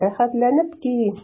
Рәхәтләнеп ки!